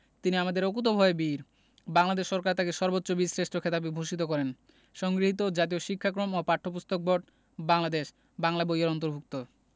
তিনি আমাদের অকুতোভয় বীর বাংলাদেশ সরকার তাঁকে সর্বোচ্চ বীরশ্রেষ্ঠ খেতাবে ভূষিত করেন সংগৃহীত জাতীয় শিক্ষাক্রম ও পাঠ্যপুস্তক বোর্ড বাংলাদেশ বাংলা বই এর অন্তর্ভুক্ত